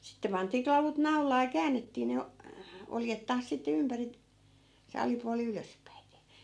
sitten pantiin klavut naulaan ja käännettiin ne oljet taas sitten ympäri se alipuoli ylöspäiten